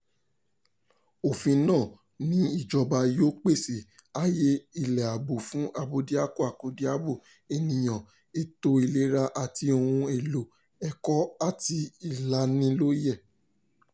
Òfin náà ní ìjọba yóò pèsè àyè ilé ààbò fún Abódiakọ-akọ́diabo ènìyàn, ètò ìlera àti ohun èlò ẹ̀kọ́ àti ilanilọ́yẹ.